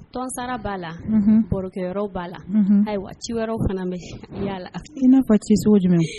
Tɔnsa b'a la barokɛyɔrɔw b'a la ayiwa ci wɛrɛw fana bɛya la i'a fɔ ciso jumɛn